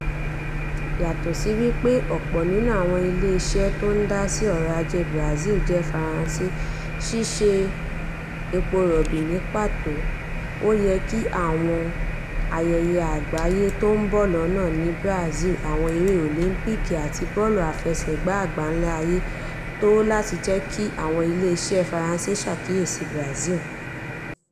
Yàtọ̀ sí pé ọ̀pọ̀ nínú àwọn ileeṣẹ tó ń dásí ọrọ̀ ajé Brazil jẹ́ Faransé (Ṣíse epo rọ̀bì ní pàtó),ó yẹ kí àwọn ayẹyẹ àgbáyé tó ń bọ̀ lọ́nà ní Brazil (Àwọn eré Òlímpìkì àti Bọ́ọ̀lù Àfẹsẹ̀gbá Àgbánlá ayé) tó láti jẹ́ kí àwọn iléeṣẹ́ Faransé ṣàkíyèsí Brazil.